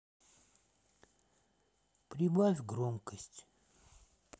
прибавь громкость